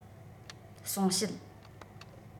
གསུངས བཤད